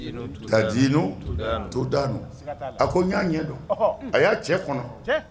Ka ko n ya ɲɛ don . A ya cɛ kɔnɔ.